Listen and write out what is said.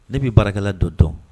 Ne b bɛi baarakɛla don tɔn